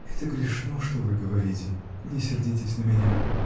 -- Это грешно, что вы говорите. Не сердитесь на меня.